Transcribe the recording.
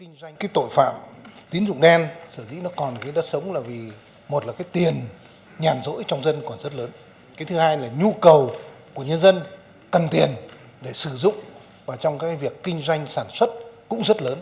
cái tội phạm tín dụng đen sở dĩ nó còn khiến đất sống là vì một là cái tiền nhàn rỗi trong dân còn rất lớn cái thứ hai là nhu cầu của nhân dân cần tiền để sử dụng mà trong cái việc kinh doanh sản xuất cũng rất lớn